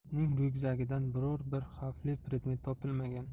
uning ryukzagidan biror bir xavfli predmet topilmagan